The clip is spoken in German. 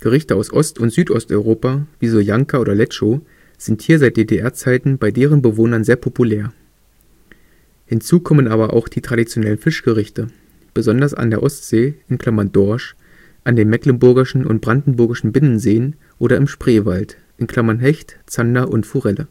Gerichte aus Ost - und Südosteuropa wie Soljanka oder Letscho sind hier seit DDR-Zeiten bei deren Bewohnern sehr populär. Hinzu kommen aber auch die traditionellen Fischgerichte, besonders an der Ostsee (Dorsch), an den mecklenburgischen und brandenburgischen Binnenseen oder im Spreewald (Hecht, Zander und Forelle